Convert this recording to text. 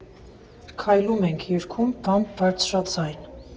Քայլում ենք, երգում՝ բամբ֊բարձրաձայն։